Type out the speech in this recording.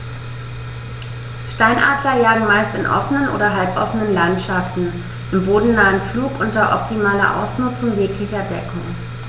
Steinadler jagen meist in offenen oder halboffenen Landschaften im bodennahen Flug unter optimaler Ausnutzung jeglicher Deckung.